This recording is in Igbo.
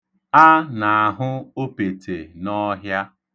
A na-ahụ opete n'ọhịa.